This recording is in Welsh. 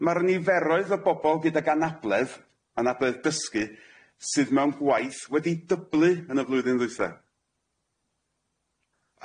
Ma'r niferoedd o bobol gydag anabledd, anabledd dysgu sydd mewn gwaith wedi dyblu yn y flwyddyn ddwytha.